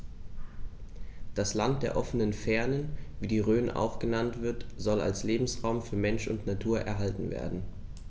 Das „Land der offenen Fernen“, wie die Rhön auch genannt wird, soll als Lebensraum für Mensch und Natur erhalten werden.